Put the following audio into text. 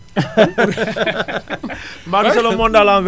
mbaadu c' est le monde à l' envers